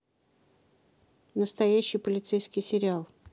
настоящий полицейский сериал